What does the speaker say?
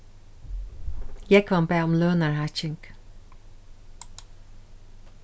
jógvan bað um lønarhækking